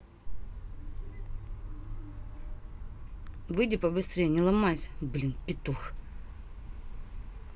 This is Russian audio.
выйди побыстрей не ломайся блин петух